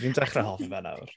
Fi'n dechrau hoffi fe nawr.